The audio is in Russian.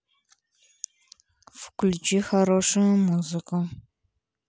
включи хорошую музыку